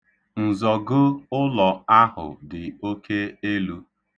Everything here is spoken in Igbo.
Nzọgo ụlọ ahụ dị oke elu.